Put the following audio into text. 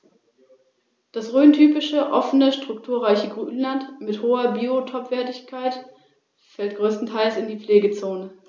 Die Stacheligel haben als wirksame Verteidigungswaffe Stacheln am Rücken und an den Flanken (beim Braunbrustigel sind es etwa sechs- bis achttausend).